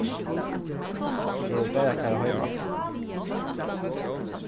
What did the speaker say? eg vil bara fara heim aftur